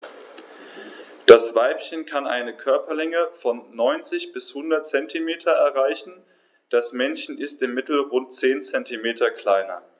Das Weibchen kann eine Körperlänge von 90-100 cm erreichen; das Männchen ist im Mittel rund 10 cm kleiner.